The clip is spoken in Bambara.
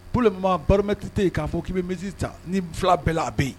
Paul maa baromɛtite yen k'a fɔ k'i bɛ misi ta ni fila bɛɛla a bɛ yen